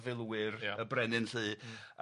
y brenin 'lly... Mm...